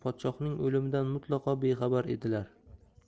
podshohning o'limidan mutlaqo bexabar edilar